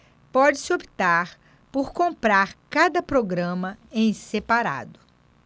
pode-se optar por comprar cada programa em separado